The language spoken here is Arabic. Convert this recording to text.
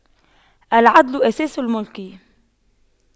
العدل أساس الْمُلْك